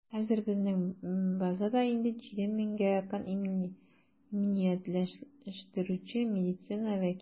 Хәзер безнең базада инде 7 меңгә якын иминиятләштерүче медицина вәкиле бар.